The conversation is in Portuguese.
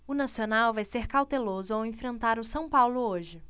o nacional vai ser cauteloso ao enfrentar o são paulo hoje